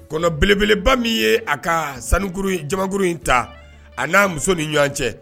Kɔnɔ belebeleba min ye a ka sanukuru jamakuru in ta a n'a muso ni ɲɔgɔn cɛ